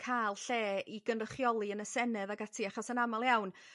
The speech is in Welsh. ca'l lle i gynrychioli yn y Senedd ac ati achos yn amal iawn